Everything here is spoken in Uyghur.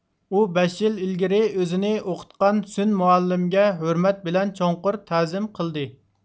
ئۇ بەش يىل ئىلگىرى ئۆزىنى ئوقۇتقان سۈن مۇئەللىمگە ھۆرمەت بىلەن چوڭقۇر تازىم قىلدى